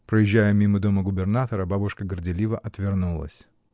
Проезжая мимо дома губернатора, бабушка горделиво отвернулась.